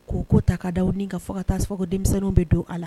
Ko ko ta ka da ni n ka fo ka taas fɔko denmisɛnninw bɛ don a la